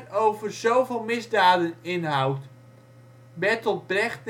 over zoveel misdaden inhoudt! Bertolt Brecht